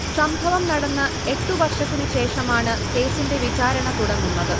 സംഭവം നടന്ന് എട്ടു വർഷത്തിനു ശേഷമാണു കേസിന്റെ വിചാരണ തുടങ്ങുന്നത്